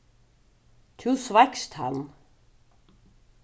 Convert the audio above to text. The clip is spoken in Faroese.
tú sveikst hann